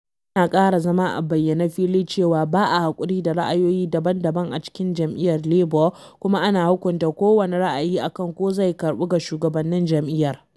Yana ƙara zama a bayyane fili cewa ba a haƙuri da ra’ayoyi daban-daban a cikin jam’iyyar Labour kuma ana hukunta kowane ra’ayi a kan ko zai karɓu ga shugabannin jam’iyyar.